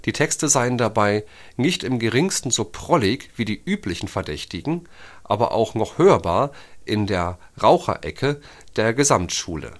Texte seien dabei „ nicht im geringsten so prollig wie die üblichen Verdächtigen “, aber auch noch hörbar in der „ Raucherecke der Gesamtschule